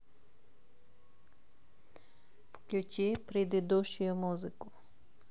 включи предыдущую музыку